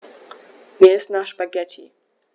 Mir ist nach Spaghetti.